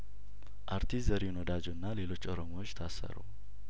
አርቲስት ዘሪሁን ወዳጆና ሌሎች ኦሮሞዎች ታሰሩ